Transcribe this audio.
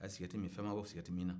a ye sigareti min fɛn ma bɔ sigarɛti minna